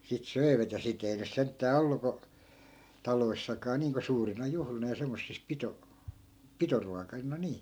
- sitten söivät ja sitä ei nyt sentään ollut kun taloissakaan niin kuin suurina juhlina ja semmoisissa - pitoruokina niin